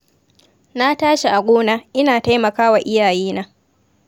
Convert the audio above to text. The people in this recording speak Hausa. Na tashi a gona, ina taimaka wa iyayena.